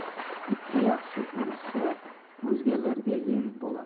ikki yaxshi urishsa o'zgalarga yem bolar